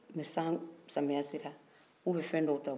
ni san samiyɛ sera k' u bɛ fɛn dɔw ta